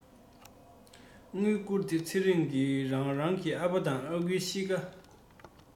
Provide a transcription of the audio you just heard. དངུལ བསྐུར དེའི ཚེ ཚེ རིང གི རང རང གི ཨ ཕ དང ཨ ཁུའི གཤིས ཀ